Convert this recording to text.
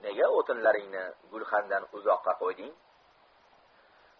nega o'tinlaringni gulxandan uzoqqa qo'yding